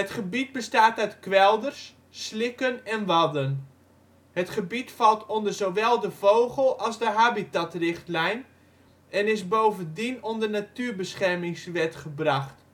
gebied bestaat uit kwelders, slikken en wadden. Het gebied valt onder zowel de Vogel - als de Habitatrichtlijn en is bovendien onder Natuurbeschermingswet gebracht